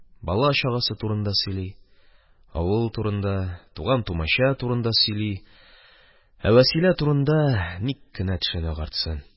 Баласы-чагасы турында сөйли, авыл турында, туган-тумача турында сөйли, ә Вәсилә турында ник кенә тешен агартсын.